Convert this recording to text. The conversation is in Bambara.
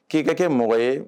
K'i ka kɛ mɔgɔ ye